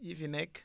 yu fi nekk